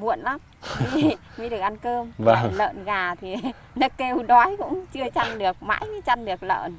muộn lắm mới được ăn cơm lợn gà thì nó kêu đói cũng chưa chăm được mãi mới chăm được lợn